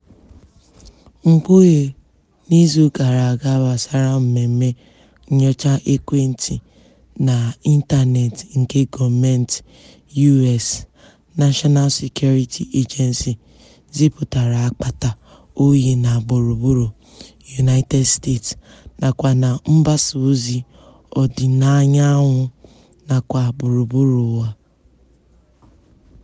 Mkpughe n'izu gara aga gbasara mmemme nnyocha ekwentị na ịntanetị nke gọọmentị US National Security Agency (NSA) zipụrụ akpata oyi na gburugburu United States nakwa na mgbasaozi ọdịdaanyanwụ, nakwa gburugburu ụwa.